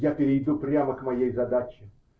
Я перейду прямо к моей задаче.